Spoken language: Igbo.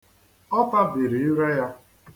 Ọ tabiri ire ya.